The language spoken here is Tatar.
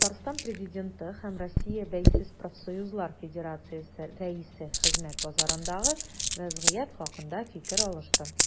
Татарстан Президенты һәм Россия Бәйсез профсоюзлар федерациясе рәисе хезмәт базарындагы вәзгыять хакында фикер алышты.